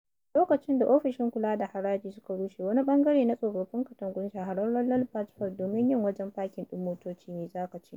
A lokacin da ofishin kula da haraji suka rushe wani ɓangare na tsofaffin katangun shahararren Lalbagh Fort domin yin wajen pakin ɗin motoci, me za ka ce?